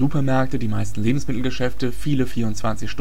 Supermärkte, die meisten Lebensmittelgeschäfte, viele 24-Stunden-Läden